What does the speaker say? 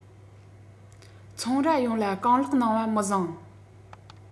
ཚོང རྭ ཡོངས ལ གང ལེགས གནང བ མི བཟང